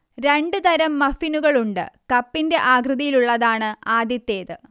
രണ്ട് തരം മഫ്ഫിനുകളുണ്ട്, കപ്പിന്റെ ആകൃതിയിലുള്ളതാണ് ആദ്യത്തേത്